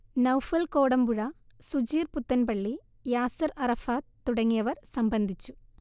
നൗഫൽ കോടമ്പുഴ, സുജീർ പുത്തൻപള്ളി, യാസർ അറഫാത് തുടങ്ങിയവർ സംബന്ധിച്ചു